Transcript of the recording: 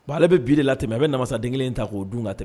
Ba ale bɛ bi latɛ a bɛ na masamasaden kelen in ta k'o dun katɛ